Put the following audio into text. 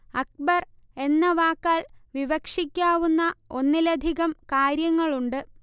അക്ബർ എന്ന വാക്കാൽ വിവക്ഷിക്കാവുന്ന ഒന്നിലധികം കാര്യങ്ങളുണ്ട്